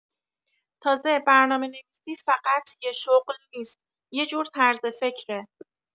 تازه، برنامه‌نویسی فقط یه شغل نیست؛ یه جور طرز فکره.